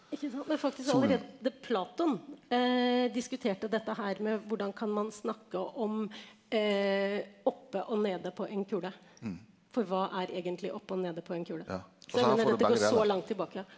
ikke sant men faktisk allerede Platon diskuterte dette her med hvordan kan man snakke om oppe og nede på en kule, for hva er egentlig oppe og nede på en kule, så jeg mener dette går så langt tilbake.